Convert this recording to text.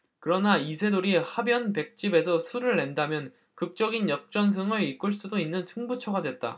그러나 이세돌이 하변 백집에서 수를 낸다면 극적인 역전승을 이끌 수도 있는 승부처가 됐다